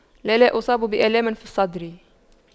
لا لا اصاب بآلام في الصدر